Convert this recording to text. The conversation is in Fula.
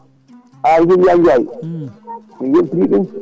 Aly * Ndiaye mi weltini ɗum